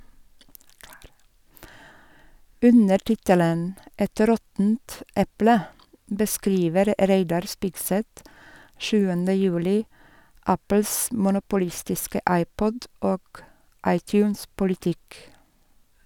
Under tittelen «Et råttent eple» beskriver Reidar Spigseth 7. juli Apples monopolistiske iPod- og iTunes-politikk.